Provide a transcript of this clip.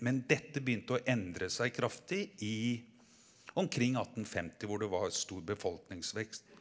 men dette begynte å endre seg kraftig i omkring 1850 hvor det var stor befolkningsvekst.